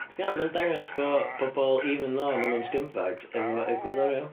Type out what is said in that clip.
Ti'n gwel' mae'n dangos bo' bobol even tho ma' nw'n scumbags efo egwyddorion.